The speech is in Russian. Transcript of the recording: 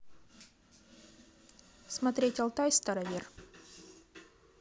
смотреть алтай старовер